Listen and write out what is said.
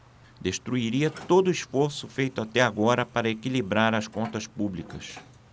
destruiria todo esforço feito até agora para equilibrar as contas públicas